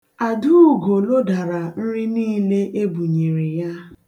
Adaugo lodara nri niile ebunyere ya.